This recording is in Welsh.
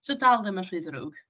So dal ddim yn rhy ddrwg.